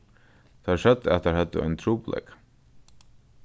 teir søgdu at teir høvdu ein trupulleika